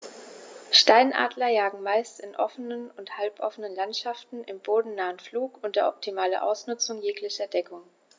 Steinadler jagen meist in offenen oder halboffenen Landschaften im bodennahen Flug unter optimaler Ausnutzung jeglicher Deckung.